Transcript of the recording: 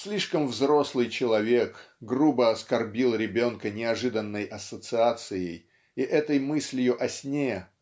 слишком взрослый человек грубо оскорбил ребенка неожиданной ассоциацией и этой мыслью о сне